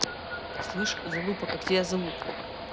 слышь залупа как тебя зовут